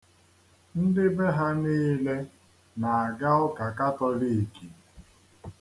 Ndị be ha niile na-aga ụka katọliiki.